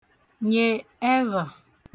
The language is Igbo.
nye ẹvhà